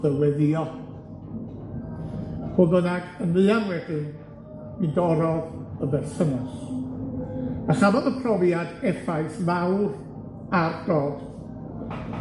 dyweddïo. Fodd bynnag, yn fuan wedyn, mi dorrodd y berthynas, a chafodd y profiad effaith mawr ar Dodd.